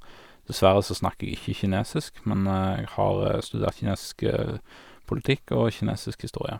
Dessverre så snakker jeg ikke kinesisk, men jeg har studert kinesisk politikk og kinesisk historie.